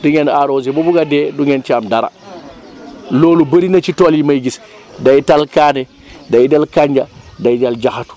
di ngeen arrosé ba bugg a dee du ngeen ci am dara loolu bëri na ci tool yi may gis day dal kaani day dal kànja day dal jaxatu